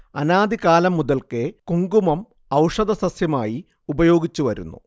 അനാദി കാലം മുതൽക്കേ കുങ്കുമം ഔഷധസസ്യമായി ഉപയോഗിച്ചുവരുന്നു